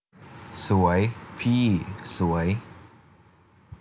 สวยพี่สวย